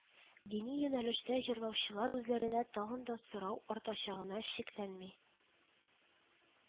Дини юнәлештә җырлаучылар үзләренә тагын да сорау артачагына шикләнми